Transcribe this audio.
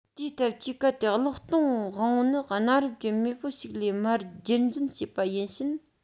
དེའི སྟབས ཀྱིས གལ ཏེ གློག གཏོང དབང པོ ནི གནའ རབས ཀྱི མེས པོ ཞིག ལས མར རྒྱུད འཛིན བྱས པ ཡིན ཕྱིན